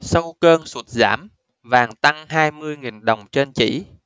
sau cơn sụt giảm vàng tăng hai mươi nghìn đồng trên chỉ